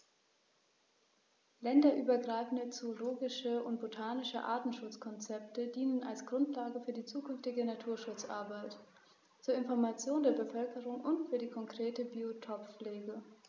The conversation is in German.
Länderübergreifende zoologische und botanische Artenschutzkonzepte dienen als Grundlage für die zukünftige Naturschutzarbeit, zur Information der Bevölkerung und für die konkrete Biotoppflege.